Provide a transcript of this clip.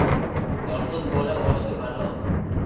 yolg'iz bola boshga balo